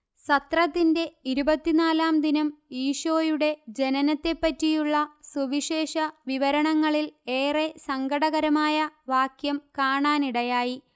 സത്രത്തിന്റെ ഇരുപത്തിനാലാം ദിനം ഈശോയുടെ ജനനത്തെപ്പറ്റിയുള്ള സുവിശേഷ വിവരണങ്ങളിൽ ഏറെ സങ്കടകരമായ വാക്യം കാണാനിടയായി